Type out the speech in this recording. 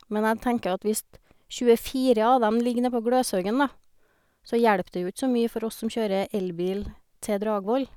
Men jeg tenker at hvis tjuefire av dem ligger nedpå Gløshaugen, da, så hjelper det jo itj så mye for oss som kjører elbil til Dragvoll.